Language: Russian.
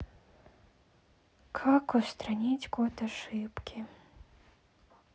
как устранить код ошибки